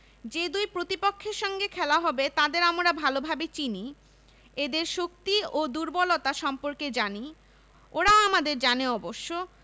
যে দুই প্রতিপক্ষের সঙ্গে খেলা হবে তাদের আমরা ভালোভাবে চিনি ওদের শক্তি ও দুর্বলতা সম্পর্কে জানি ওরাও আমাদের জানে অবশ্য